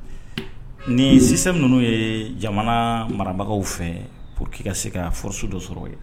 Ni sisan ninnu ye jamana marabagaw fɛ pour que ka se ka foro su dɔ sɔrɔ